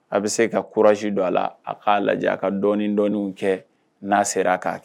A bɛ se ka courage don a la a k'a lajɛ a ka dɔnni dɔnni kɛ n'a sera k'a kɛ